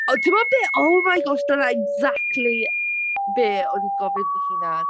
O, timod be, oh my gosh dyna exactly be o'n ni'n gofyn fy hunan.